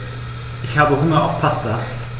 Ich habe Hunger auf Pasta.